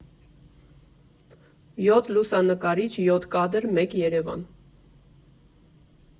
Յոթ լուսանկարիչ, յոթ կադր, մեկ Երևան։